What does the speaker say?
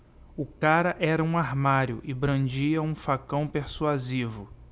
o cara era um armário e brandia um facão persuasivo